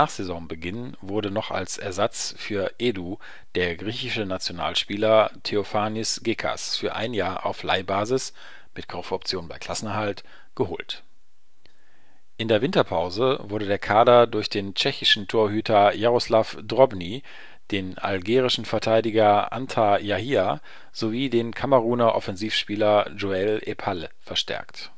Saisonbeginn wurde noch als Ersatz für Edu der griechische Nationalspieler Theofanis Gekas für ein Jahr auf Leihbasis (mit Kaufoption bei Klassenerhalt) geholt. In der Winterpause wurde der Kader durch den tschechischen Torhüter Jaroslav Drobný, den algerischen Verteidiger Anthar Yahia sowie den Kameruner Offensivspieler Joël Epalle verstärkt